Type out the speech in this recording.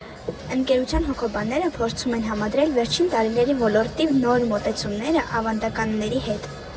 Ընկերության հոգեբանները փորձում են համադրել վերջին տարիների ոլորտի նոր մոտեցումներն ավանդականների հետ։